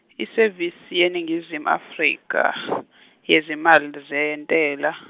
iSevisi yeNingizimu Afrika yeZimali zeNtela.